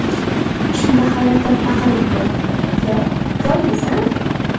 shunda hayratdan baqirib yubordim iya toymisan